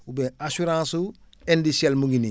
oubien assurance su indicelle mu ngi nii